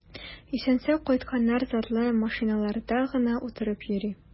Исән-сау кайтканнар затлы машиналарда гына утырып йөри.